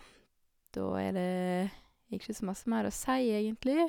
Da er det ikke så masse mer å si, egentlig.